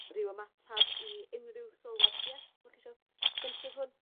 Ryw ymatab i unrhyw sylwad? Ia? 'Dach chi isio benthyg hwn?